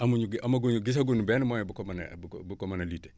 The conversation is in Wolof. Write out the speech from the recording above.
amuñu amaguñu gisaguñu benn moyen bu ko mën a bu ko bu ko mën a lutter